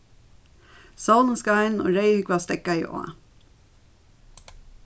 sólin skein og reyðhúgva steðgaði á